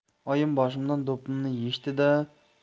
oyim boshimdan do'ppimni yechdi da